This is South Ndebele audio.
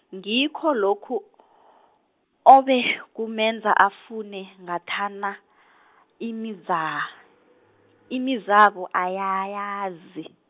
ngikho lokhu , obekumenza, afune, ngathana , imiza-, imizabo uyayazi.